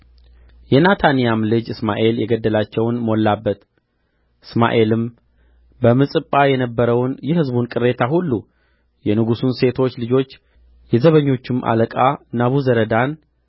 የናታንያም ልጅ እስማኤል የገደላቸውን ሞላበት እስማኤልም በምጽጳ የነበረውን የሕዝቡን ቅሬታ ሁሉ የንጉሡን ሴቶች ልጆች የዘበኞቹም አለቃ ናቡዘረዳን